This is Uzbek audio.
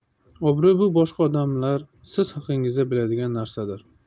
obro' bu boshqa odamlar siz haqingizda biladigan narsadir